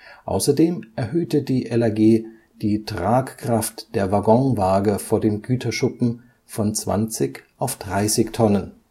Außerdem erhöhte die LAG die Tragkraft der Waggonwaage vor dem Güterschuppen von 20 auf 30 Tonnen